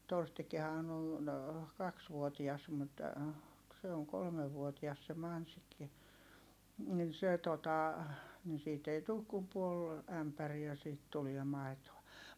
Torstikinhan on kaksivuotias mutta se on kolmevuotias se Mansikki niin se tuota niin siitä ei tule kuin puoli ämpäriä siitä tuli maitoa